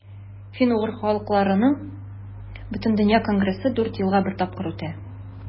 Фин-угыр халыкларының Бөтендөнья конгрессы дүрт елга бер тапкыр үтә.